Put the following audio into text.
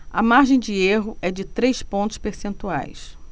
a margem de erro é de três pontos percentuais